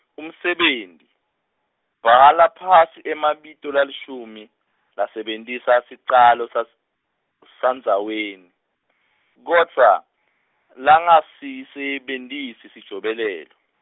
umsebenti, bhala phasi emabito lalishumi, lasebentisa sicalo sas- sandzaweni, kodvwa, langasisebentisi sijobelelo.